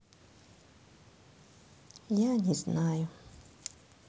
я незнаю